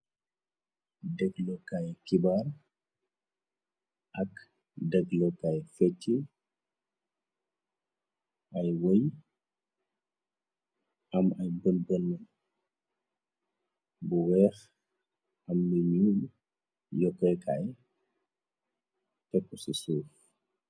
Deglokaay kibaar ak deglokaay fecc ay woye am ay bënben bu weex am ni nu yokkoykaay teku ci suuf.